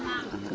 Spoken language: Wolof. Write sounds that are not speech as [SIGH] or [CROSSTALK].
[CROSSTALK] [HESITATION] [HESITATION]